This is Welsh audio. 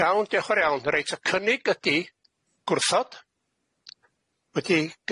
Iawn diolch yn fowr iawn reit y cynnig ydi gwrthod wedi'i